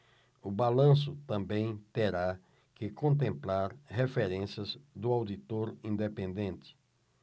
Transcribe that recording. o balanço também terá que contemplar referências do auditor independente